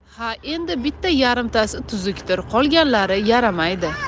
ha endi bitta yarimtasi tuzukdir qolganlari yaramaydi